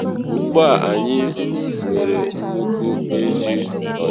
Ugbu a anyị nwere nnukwu ezi ọyị”